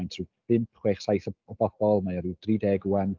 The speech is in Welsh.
Faint, ryw bump, chwech, saith o bobol. Mae o ryw dri deg ŵan.